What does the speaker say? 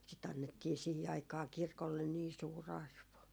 sitä annettiin siihen aikaan kirkolle niin suuri arvo